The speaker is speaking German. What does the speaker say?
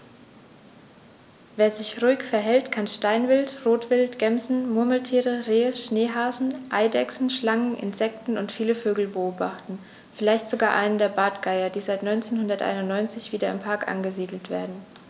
Wer sich ruhig verhält, kann Steinwild, Rotwild, Gämsen, Murmeltiere, Rehe, Schneehasen, Eidechsen, Schlangen, Insekten und viele Vögel beobachten, vielleicht sogar einen der Bartgeier, die seit 1991 wieder im Park angesiedelt werden.